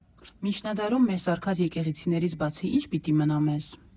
Միջնադարում մեր սարքած եկեղեցիներից բացի ի՞նչ պիտի մնա մեզ»։